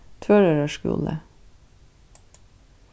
tvøroyrar skúli